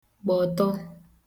gbọ̀ ọtọ